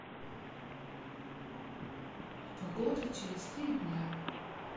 погода через три дня